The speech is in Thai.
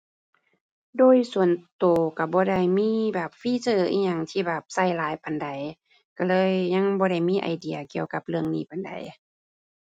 โดยส่วนตัวตัวบ่ได้มีแบบฟีเจอร์อิหยังที่แบบตัวหลายปานใด ตัวเลยยังบ่ได้มีไอเดียเกี่ยวกับเรื่องนี้ปานใด